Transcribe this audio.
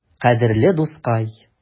Кадерле дускай!